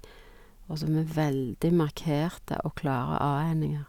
Og så med veldig markerte og klare a-endinger.